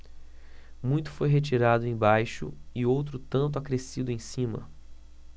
muito foi retirado embaixo e outro tanto acrescido em cima